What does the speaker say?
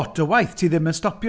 Lot o waith, ti ddim yn stopio.